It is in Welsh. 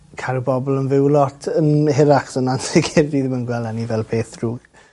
cadw bobol yn fyw lot yn hirach so na'n sicir dwi ddim yn gwel' ynny fel peth drwg.